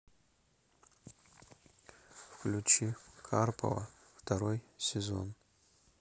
включи карпова второй сезон